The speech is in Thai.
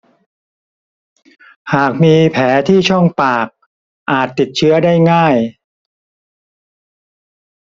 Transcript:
หากมีแผลที่ช่องปากอาจติดเชื้อได้ง่าย